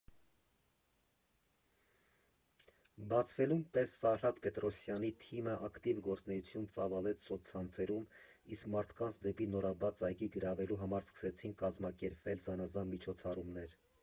Բացվելուն պես Սարհատ Պետրոսյանի թիմը ակտիվ գործունեություն ծավալեց սոցցանցերում, իսկ մարդկանց դեպի նորաբաց այգի գրավելու համար սկսեցին կազմակերպվել զանազան միջոցառումներ։